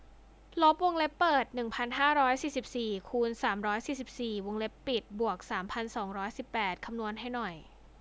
ลบวงเล็บเปิดหนึ่งพันห้าร้อยสี่สิบสี่คูณสามร้อยสี่สิบสี่วงเล็บปิดบวกสามพันสองร้อยสิบแปดคำนวณให้หน่อย